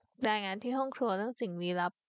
รายงานที่ห้องครัวเรื่องสิ่งลี้ลับ